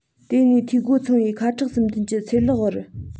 དེ ནས འཐུས སྒོ ཚང བའི ཁ དབྲག གསུམ ལྡན གྱི ཚེར ལག བར